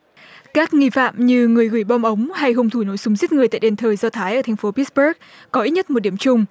các nghi phạm như người hủy bom ống hay hung thủ nổ súng giết người tại đền thờ do thái ở thành phố bít bớt có ít nhất một điểm chung